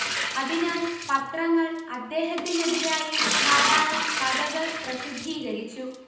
അതിനാൽ പത്രങ്ങൾ അദ്ദേഹത്തിനെതിരായി ധാരാളം കഥകൾ പ്രസിദ്ധീകരിച്ചു